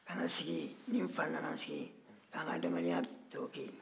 n nana n sigi yen n ni nfa an sigi yen k'an ka adamadenya bɛɛ kɛ yen